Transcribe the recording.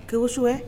Kewosu ye